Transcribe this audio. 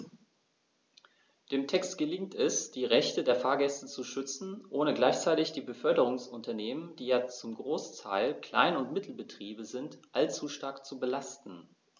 Dem Text gelingt es, die Rechte der Fahrgäste zu schützen, ohne gleichzeitig die Beförderungsunternehmen - die ja zum Großteil Klein- und Mittelbetriebe sind - allzu stark zu belasten.